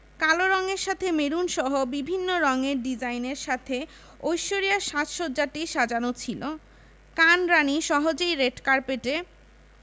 কালো রঙের সাথে মেরুনসহ বিভিন্ন রঙের ডিজাইনের সাথে ঐশ্বরিয়ার সাজ সজ্জাটি সাজানো ছিল কান রাণী সহজেই রেড কার্পেটে